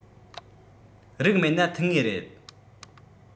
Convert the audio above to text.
རིགས མེད ན ཐུག ངེས རེད